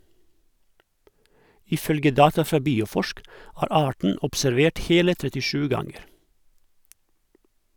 Ifølge data fra Bioforsk, er arten observert hele 37 ganger.